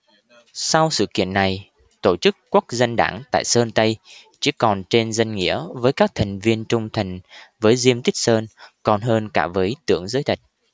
sau sự kiện này tổ chức quốc dân đảng tại sơn tây chỉ còn trên danh nghĩa với các thành viên trung thành với diêm tích sơn còn hơn cả với tưởng giới thạch